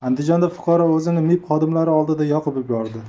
andijonda fuqaro o'zini mib xodimlari oldida yoqib yubordi